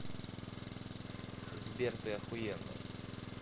сбер ты охуенный